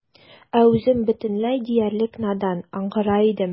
Ә үзем бөтенләй диярлек надан, аңгыра идем.